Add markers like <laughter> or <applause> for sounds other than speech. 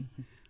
<hesitation> <hesitation>